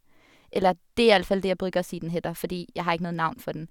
Eller, det er iallfall det jeg bruker å si den heter, fordi jeg har ikke noe navn for den.